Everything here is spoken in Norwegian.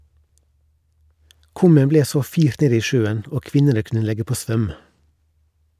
Kummen ble så firt ned i sjøen, og kvinnene kunne legge på svøm.